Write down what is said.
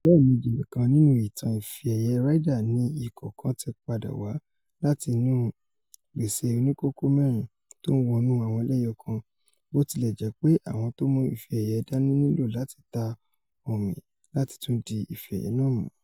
Lẹ́ẹ̀mejì nìkan nínú ìtàn Ife-ẹ̀yẹ Ryder ni ikọ̀ kan ti padà wá láti inu gbèsè oníkókó-mẹ́rin tó ńwọnú àwọn ẹlẹ́ẹyọ̀kan, botilẹjẹpe àwọn tómú ife-ẹ̀yẹ dáni nílò láti ta ọ̀mì láti tún di ife-ẹyẹ̀ náà mú.